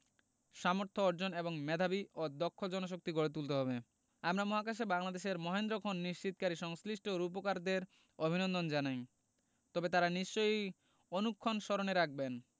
সামর্থ্য অর্জন এবং মেধাবী ও দক্ষ জনশক্তি গড়ে তুলতে হবে আমরা মহাকাশে বাংলাদেশের মাহেন্দ্রক্ষণ নিশ্চিতকারী সংশ্লিষ্ট রূপকারদের অভিনন্দন জানাই তবে তাঁরা নিশ্চয় অনুক্ষণ স্মরণে রাখবেন